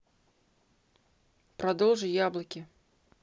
продолжи яблоки